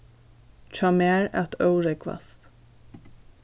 hjá mær at órógvast